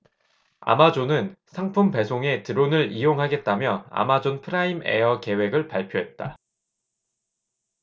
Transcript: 아마존은 상품 배송에 드론을 이용하겠다며 아마존 프라임에어 계획을 발표했다